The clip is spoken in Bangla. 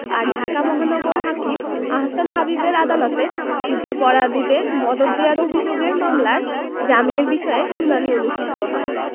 আর ঢাকা মহানগর হাকিম আহসান হাবীবের আদালতে যুদ্ধাপরাধীদের মদদ দেওয়ার অভিযোগের মামলার জামিনের বিষয়ে শুনানি অনুষ্ঠিত হয়